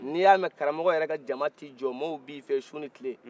ni y'a mɛ karamɔgɔ yɛrɛ ka jama tɛ jɔ mɔgɔnw bi fɛ su ni tile